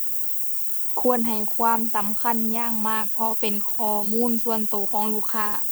ควรให้ความสำคัญอย่างมาก เพราะเป็นข้อมูลส่วนตัวของลูกค้า